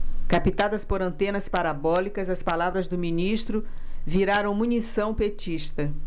captadas por antenas parabólicas as palavras do ministro viraram munição petista